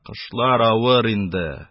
Кышлар авыр инде.